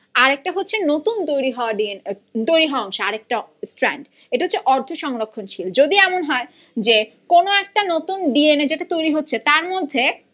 আরেকটা হচ্ছে তৈরি হওয়া ডি এন এ তৈরি হওয়া অংশ আরেকটা স্ট্র্যান্ড এটা হচ্ছে অর্ধ সংরক্ষনশীল যদি এমন হয় কোন একটা নতুন ডি এন এ যেটা তৈরি হচ্ছে তার মধ্যে